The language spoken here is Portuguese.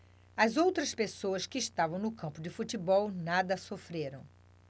as outras pessoas que estavam no campo de futebol nada sofreram